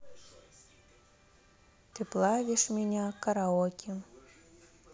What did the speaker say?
ты плавишь меня караоке